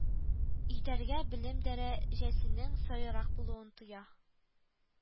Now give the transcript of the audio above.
Итәргә белем дәрә әсенең саерак булуын тоя